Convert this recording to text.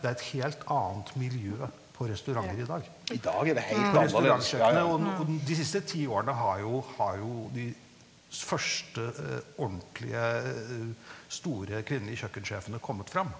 det er et helt annet miljø på restauranter i dag på restaurantkjøkkenet, og og de siste ti årene har jo har jo de første ordentlige , store, kvinnelige kjøkkensjefene kommet fram.